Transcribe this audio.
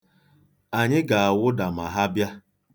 Anyị ga-awụda ma ha bịa.